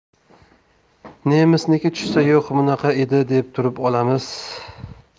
nemisniki tushsa yo'q bunaqa edi deb turib olamiz